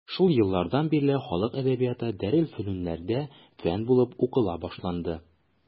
Шул елдан бирле халык әдәбияты дарелфөнүннәрдә фән булып укыла башланды.